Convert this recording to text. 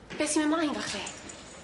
Be' sy'n myn' mlaen efo chdi?